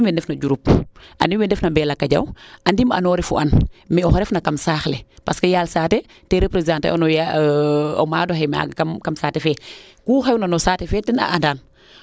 andiim wee ndaf na Diouroup andiim wee ndef na Mbelakadiaw andiim ano refu an mais oxe refna kam saax le parce que :far yaal saate te representer u o maadoxe maaga kam saaate fee ku xewna kam saate fee ten a andaan